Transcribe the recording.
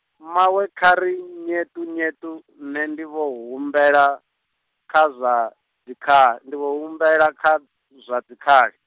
mmawe kha ri nyeṱunyeṱu nṋe ndi vho humbela, kha zwa, dzikha- ndi vho humbela kha zwa dzikhali.